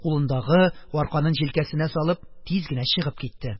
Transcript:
Кулындагы арканын җилкәсенә салып, тиз генә чыгып китте.